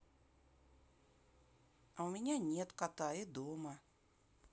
а у меня нет кота и дома